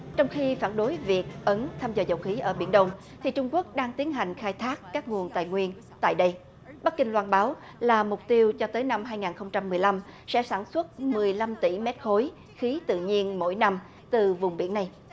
trong khi phản đối việc ứng thăm dò dầu khí ở biển đông thì trung quốc đang tiến hành khai thác các nguồn tài nguyên tại đây bắc kinh loan báo là mục tiêu cho tới năm hai ngàn không trăm mười lăm sẽ sản xuất mười lăm tỷ mét khối khí tự nhiên mỗi năm từ vùng biển này